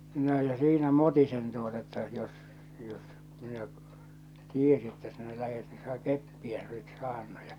no ja siinä mutisen tuota että jos jos minä tiesin että sinä lähdet niin sinä keppiä sinä olisit saanut ja